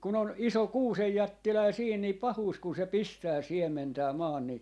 kun on iso kuusenjättiläinen siinä niin pahuus kun se pistää siementää maan niin